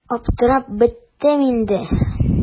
Аптырап беттем инде.